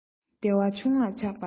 བདེ བ ཆུང ལ ཆགས པ དེས